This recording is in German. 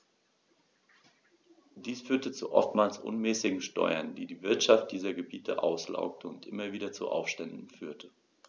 Dies führte zu oftmals unmäßigen Steuern, die die Wirtschaft dieser Gebiete auslaugte und immer wieder zu Aufständen führte.